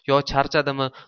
yo charchadimi